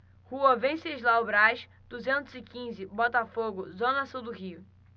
rua venceslau braz duzentos e quinze botafogo zona sul do rio